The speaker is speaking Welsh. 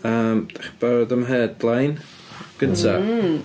Yym, dach chi'n barod am headline gynta.